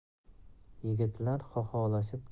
yigitlar xoxolashib jamilani